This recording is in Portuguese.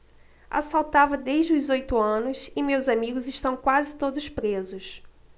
assaltava desde os oito anos e meus amigos estão quase todos presos